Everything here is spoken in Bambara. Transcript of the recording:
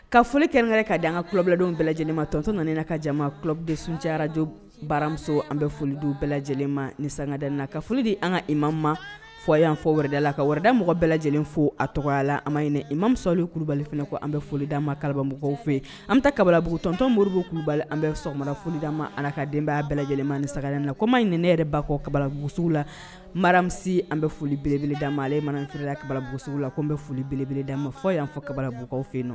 Ka foli kɛrɛnɛrɛ ka di an ka kubidenw bɛɛ lajɛlen matɔnon nan ka jama kulo de suncɛyaraj baramuso an bɛ folidenw bɛɛ lajɛlen ma ni sangada na ka foli di an ka i ma ma fɔ y' an fɔ wɛrɛda la ka wɛrɛda mɔgɔ bɛɛ lajɛlen fo a tɔgɔ la an ma ɲini i ma misali kulubalibali f kɔ an bɛ foli'an mababugu fɛ yen an bɛ taa kababugutɔntɔnmo moribu kulubali an bɛ sɔgɔma folida ma ala ka denbaya bɛɛ lajɛlenlema ni sagaɛlɛla ko ma in nin ne yɛrɛ ba kɔ kababuguugu la mara mi an bɛ foli belebeleda ma ale manatirila kababuguugu la ko an bɛ foli belebdaa ma fɔ y'an fɔ kababugu fɛ yen nɔ